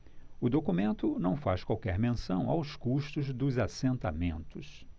o documento não faz qualquer menção aos custos dos assentamentos